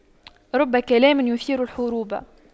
رب كلام يثير الحروب